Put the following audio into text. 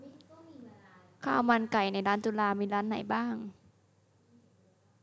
ข้าวมันไก่ในจุฬามีร้านไหนบ้าง